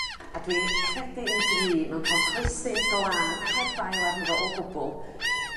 A dwi'n credu yn gry mewn ca'l coesyn glân heb ddail arno fo o gwbwl